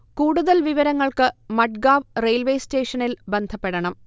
കൂടുതൽ വിവരങ്ങൾക്ക് മഡ്ഗാവ് റെയിൽവേ സ്റ്റേഷനിൽ ബന്ധപ്പെടണം